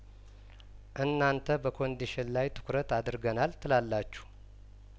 እናንተ በኮንዲሽን ላይ ትኩረት አድርገናልት ላላችሁ